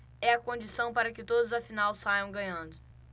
é a condição para que todos afinal saiam ganhando